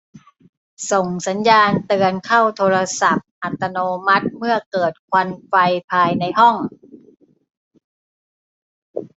ส่งสัญญาณเตือนเข้าโทรศัพท์อัตโนมัติเมื่อเกิดควันไฟภายในห้อง